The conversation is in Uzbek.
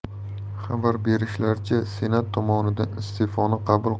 xabar berishlaricha senat tomonidan iste'foni qabul